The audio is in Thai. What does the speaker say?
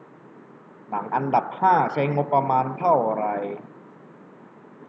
หนังอันดับห้าใช้งบประมาณเท่าไหร่